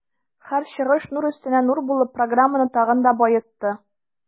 Һәр чыгыш нур өстенә нур булып, программаны тагын да баетты.